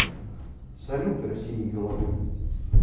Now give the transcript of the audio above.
салют россии головой